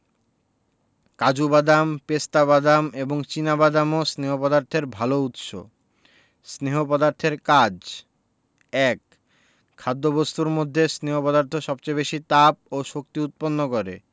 কাজু বাদাম পেস্তা বাদাম এবং চিনা বাদামও স্নেহ পদার্থের ভালো উৎস স্নেহ পদার্থের কাজ ১. খাদ্যবস্তুর মধ্যে স্নেহ পদার্থ সবচেয়ে বেশী তাপ এবং শক্তি উৎপন্ন করে